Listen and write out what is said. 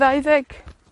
ddau ddeg